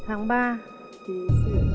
tháng ba tý